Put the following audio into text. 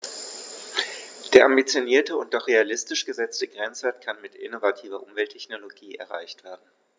Der ambitionierte und doch realistisch gesetzte Grenzwert kann mit innovativer Umwelttechnologie erreicht werden.